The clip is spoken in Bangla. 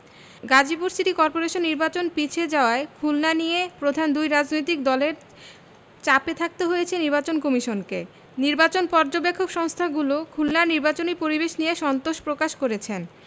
গাজীপুর সিটি করপোরেশন নির্বাচন পিছিয়ে যাওয়ায় খুলনা নিয়ে প্রধান দুই রাজনৈতিক দলের চাপে থাকতে হয়েছে নির্বাচন কমিশনকে নির্বাচন পর্যবেক্ষক সংস্থাগুলো খুলনার নির্বাচনী পরিবেশ নিয়ে সন্তোষ প্রকাশ করেছেন